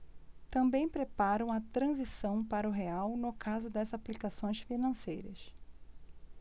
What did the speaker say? também preparam a transição para o real no caso das aplicações financeiras